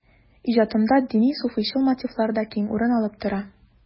Иҗатында дини-суфыйчыл мотивлар да киң урын алып тора.